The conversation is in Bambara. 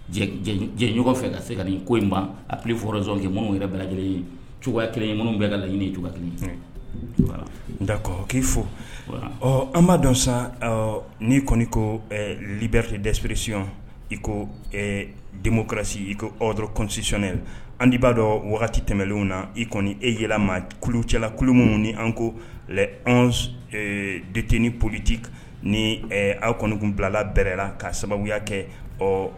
Ɲɔgɔn fɛ ka se ka nin ko in cɛ minnu yɛrɛ bala lajɛlen cogoya kelen ye minnu bɛ laɲini cogoya kelen nka k' fo an b'a dɔn sa n'i kɔni ko librite dɛsɛpresi i ko denbosi i ko cosiyɛ an' b'a dɔn wagati tɛmɛnlen na i kɔni e yɛlɛma kulu cɛlalakulu minnu ni an ko anw dette ni pbiti ni aw kɔnikun bilala bɛrɛ la ka sababuya kɛ ɔ